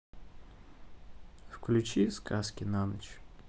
включи сказки на ночь